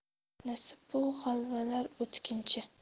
nasib bu g'alvalar o'tkinchi